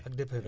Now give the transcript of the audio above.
ak DPV